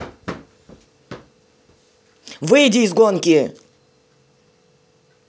выйди из гонки